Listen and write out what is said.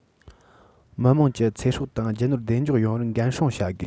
མི དམངས ཀྱི ཚེ སྲོག དང རྒྱུ ནོར བདེ འཇགས ཡོང བར འགན སྲུང བྱ དགོས